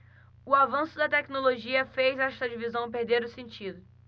o avanço da tecnologia fez esta divisão perder o sentido